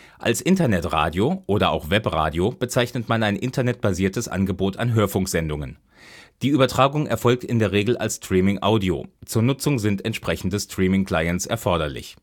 Als Internetradio (auch Webradio) bezeichnet man ein Internet-basiertes Angebot an Hörfunksendungen. Die Übertragung erfolgt in der Regel als Streaming Audio; zur Nutzung sind entsprechende Streaming-Clients erforderlich